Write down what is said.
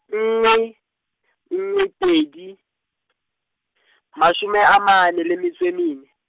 nngwe , nngwe pedi , mashome a mane le metso e mene.